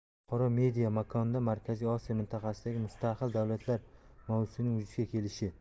xalqaro media makonda markaziy osiyo mintaqasidagi mustaqil davlatlar mavzusining vujudga kelishi